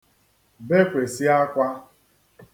bekwèsi akwā